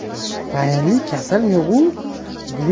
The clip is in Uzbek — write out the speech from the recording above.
tayinli kasali yo'g'u